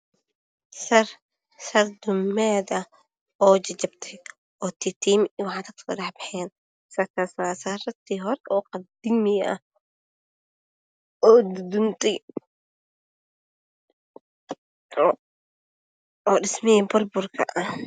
Sar dhamaad ah.oo jajabtay oo tiitiinyo ka dhex baxeen sartasi waa sarahii hore ee qadiimi ah oo duduntay oo dhismihii burburka